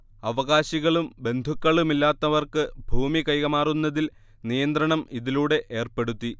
അവകാശികളും ബന്ധുക്കളുമല്ലാത്തവർക്ക് ഭൂമി കൈമാറുന്നതിൽ നിയന്ത്രണം ഇതിലൂടെ ഏർപ്പെടുത്തി